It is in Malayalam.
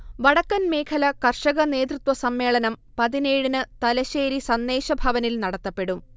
വടക്കൻ മേഖല കർഷക നേതൃത്വസമ്മേളനം പതിനേഴിന് തലശ്ശേരി സന്ദേശഭവനിൽ നടത്തപ്പെടും